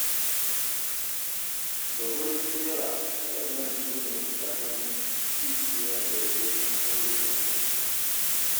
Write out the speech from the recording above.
Ga gurin Sarah, waɗannan su ne misalan ''kishiyar daidaton sauyin yanayi''